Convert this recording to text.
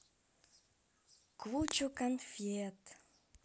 кучу конфет